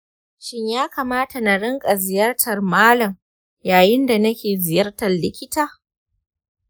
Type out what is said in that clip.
shin ya kamata na rinƙa ziyartar malam yayin da nake ziyartar likita?